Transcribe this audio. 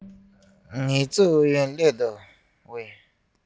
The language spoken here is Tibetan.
ངལ རྩོལ ཨུ ཡོན སླེབས འདུག གས